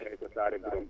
Saare Birame